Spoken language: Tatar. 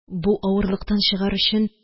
Бу авырлыктан чыгар өчен: